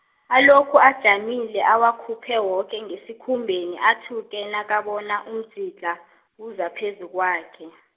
alokhu ajamile awakhuphe woke ngesikhumbeni athuke nakabona umdzidlha, uza phezu kwakhe.